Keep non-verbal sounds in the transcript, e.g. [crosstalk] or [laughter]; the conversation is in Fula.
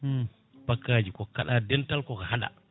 [smacks lips] pakkaji ko kaɗa dental koko haaɗa